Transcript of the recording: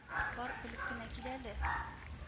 Бар, белеп кенә кил әле